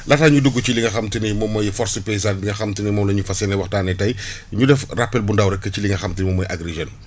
laataa ñuy dugg ci li nga xamante ni moom mooy force paysane bi nga xamante ni moom la ñu fas yéene waxtaanee tey ñu def rappel bu ndaw rek ci li nga xamante ni moom mooy agri Jeunes